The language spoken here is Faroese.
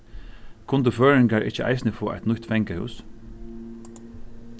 kundu føroyingar ikki eisini fáa eitt nýtt fangahús